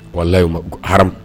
Ko'o ma ha